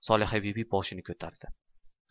solihabibi boshini ko'tardi